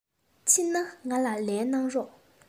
ཕྱིན ན ང ལ ལན བྱིན རོགས